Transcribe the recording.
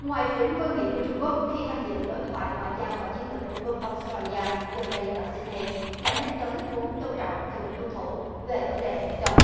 ngoại trưởng vương nghị của trung quốc khi tham dự đối thoại ngoại giao và chiến lược trung quốc ót tra li a gần đây ở sít nây đã nhắc tới bốn tôn trọng cần được tuân thủ về vấn đề biển đông